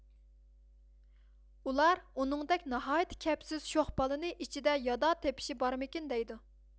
ئۇلار ئۇنىڭدەك ناھايتتى كەپسىز شوخ بالىنى ئىچىدە يادا تىپشى بارمىكىن دەيدۇ